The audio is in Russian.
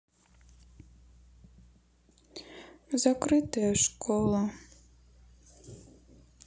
закрытая школа